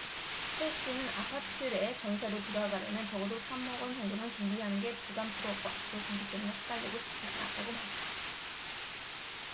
최 씨는 아파트에 전세로 들어가려면 적어도 삼 억원 정도는 준비해야 하는 게 부담스러웠고 앞으로 전세 때문에 시달리고 싶진 않았다고 말했다